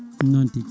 noon tigui